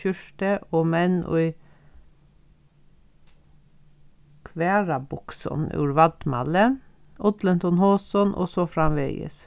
skjúrti og menn í kvarðabuksum úr vaðmali ullintum hosum og so framvegis